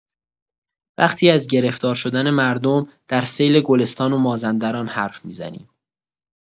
وقتی از گرفتار شدن مردم در سیل گلستان و مازندران حرف می‌زنیم.